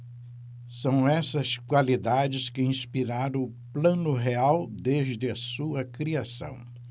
são essas qualidades que inspiraram o plano real desde a sua criação